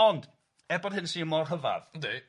Ond, er bod hyn yn s'nio mor rhyfadd... Yndi...